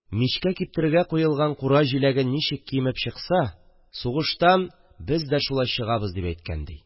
Мичкә киптерергә куелган кура җиләге ничек кимеп чыкса, сугыштан без дә шулай чыгабыз, дип әйткән ди